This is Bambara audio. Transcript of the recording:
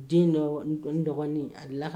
Den dɔ dɔgɔnin a la